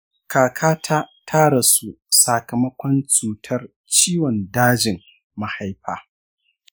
kakata ta rasu sakamakon cutar ciwon dajin mahaifa.